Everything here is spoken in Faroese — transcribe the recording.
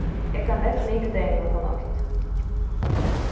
eg kann best mikudagin klokkan eitt